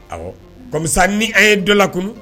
Ɔ komisa ni an ye dɔ la kunun